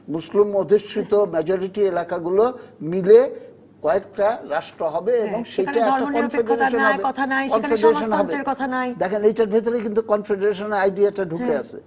মুসলিম অধ্যুষিত মেজরিটি এলাকাগুলো মিলে কয়েকটা রাস্ট্র হবে এবং সেখানে একটা কনফিগারেশন হবে সেখানে ধর্মনিরপেক্ষতার কথা নাই সেখানে সমাজতন্ত্রের কথা নেই দেখেন এটার ভিতর কিন্তু কনফেডারেশন এর আইডিয়া টা ঢুকে আছে